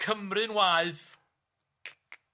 Cymru'n waeth...